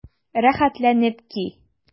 Рәхәтләнеп ки!